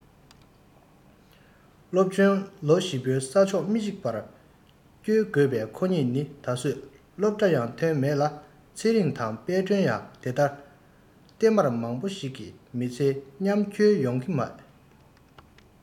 སློབ ཆེན ལོ བཞི པོ ས ཕྱོགས མི གཅིག པར བསྐྱོལ དགོས པ ཁོ གཉིས ནི ད གཟོད སློབ གྲྭ ཡང ཐོན མེད ལ ཚེ རིང དང དཔལ སྒྲོན ཡང དེ ལྟ སྟེ མར མང པོ ཞིག མི ཚེ མཉམ འཁྱོལ ཡོང གི མེད